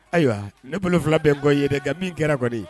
Ayiwa ne bolofila bɛ bɔ ye de ka min kɛra kɔ de